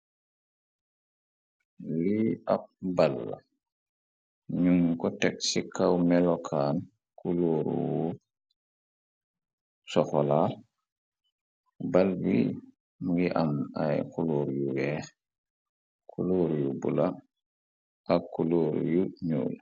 Lii ab baal nun ko teg ci kaw melokaan kulooru yu soxolaal baal bi ngi am ay kuloor yu weex kuloor yu bulo ak kulóor yu ñuul.